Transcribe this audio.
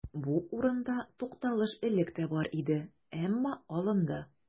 Бу урында тукталыш элек тә бар иде, әмма алынды.